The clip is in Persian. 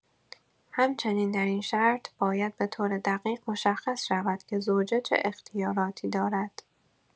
همچنین، در این شرط، باید به‌طور دقیق مشخص شود که زوجه چه اختیاراتی دارد.